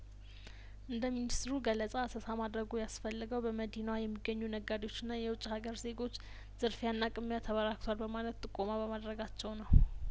እንደ ሚኒስትሩ ገለጻ አሰሳ ማድረጉ ያስፈለገው በመዲናዋ የሚገኙ ነጋዴዎችና የውጭ ሀገር ዜጐች ዝርፊያና ቅሚያ ተበራክቷል በማለት ጥቆማ በማድረጋቸው ነው